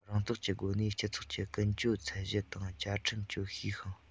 རང རྟོགས ཀྱི སྒོ ནས སྤྱི ཚོགས ཀྱི ཀུན སྤྱོད ཚད གཞི དང བཅའ ཁྲིམས སྤྱོད ཤེས ཤིང